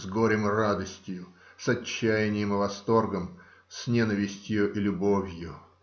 с горем и радостью, с отчаяньем и восторгом, с ненавистью и любовью.